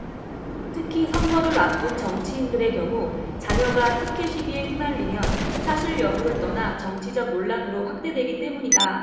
특히 선거를 앞둔 정치인들의 경우 자녀가 특혜시비에 휘말리면 사실여부를 떠나 정치적 논란으로 확대되기 때문이다